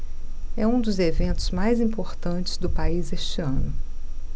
é um dos eventos mais importantes do país este ano